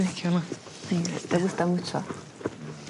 Dwi'n licio 'ma